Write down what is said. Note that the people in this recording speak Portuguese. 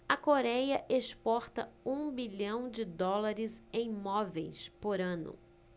a coréia exporta um bilhão de dólares em móveis por ano